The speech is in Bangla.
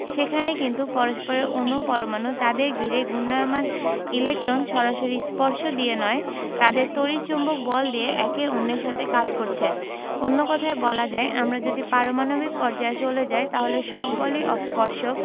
সেখানে কিন্তু পরস্পরের অণু পরমাণু তাদের ঘিরে ঘূর্ণায়মান ইলেকট্রন সরাসরি স্পর্শ দিয়ে নয় তাদের তড়িৎ চৌম্বক বল দিয়ে একে অন্যের সাথে কাজ করছে অন্য কথায় বলা যায় আমরা যদি পারমাণবিক পর্যায়ে চলে যাই তাহলে সব বলই অস্পর্শক